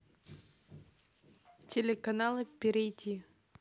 телеканалы перейти